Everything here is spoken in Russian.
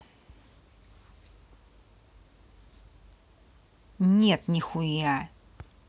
нет нихуя